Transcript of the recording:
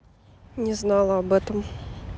не знала об этом